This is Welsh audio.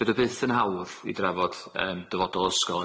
Dydi o byth yn hawdd i drafod yym dyfodol ysgol.